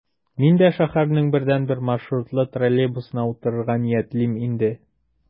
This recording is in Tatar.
Мин дә шәһәрнең бердәнбер маршрутлы троллейбусына утырырга ниятлим инде...